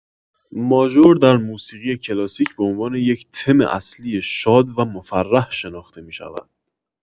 ماژور در موسیقی کلاسیک به عنوان یک تم اصلی شاد و مفرح شناخته می‌شود.